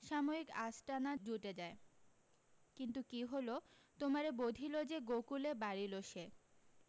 সাময়িক আস্তানা জুটে যায় কিন্তু কী হলো তোমারে বধিল যে গোকুলে বাড়িল সে